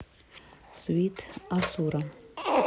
sweet асура